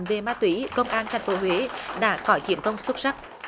về ma túy công an thành phố huế đã có chiến công xuất sắc